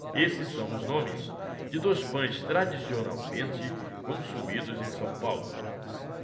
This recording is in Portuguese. esses são os nomes de dois pães tradicionalmente consumidos em são paulo